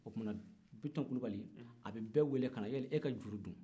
o tumana biton kulubali a bɛ bɛɛ wele ka na hali e ka juru dun